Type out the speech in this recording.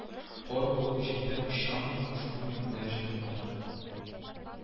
Кар булып җирдә очамы ушбу мендәр җоннары